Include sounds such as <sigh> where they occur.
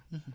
<hesitation> <hesitation>